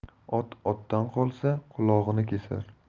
ot otdan qolsa qulog'ini kesar